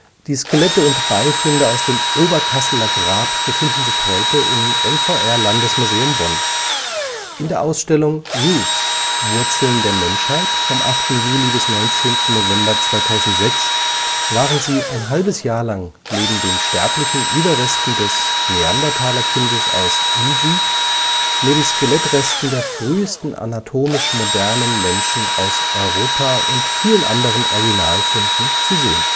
Die Skelette und Beifunde aus dem Oberkasseler Grab befinden sich heute im LVR-Landesmuseum Bonn. In der Ausstellung Roots – Wurzeln der Menschheit vom 8. Juli – 19. November 2006 waren sie ein halbes Jahr lang neben den sterblichen Überresten des „ Neandertaler-Kindes aus Engis “(Belgien), neben Skelettresten der frühesten anatomisch modernen Menschen aus Europa („ Oase 1 und 2 “aus Rumänien) und vielen anderen Originalfunden zu sehen